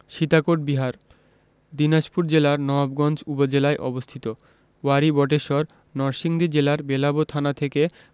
সীতাকোট বিহার দিনাজপুর জেলার নওয়াবগঞ্জ উপজেলায় অবস্থিত ওয়ারী বটেশ্বর নরসিংদী জেলার বেলাব থানা থেকে